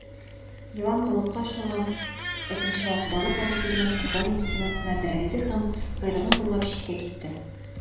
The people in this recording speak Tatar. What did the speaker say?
Елан балыкка охшаган озынча ак балык авызы белән аквариум стенасына бәрелде һәм, койрыгын болгап, читкә китте.